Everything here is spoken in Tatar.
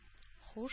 Һуш